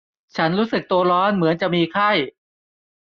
ฉันรู้สึกตัวร้อนเหมือนจะมีไข้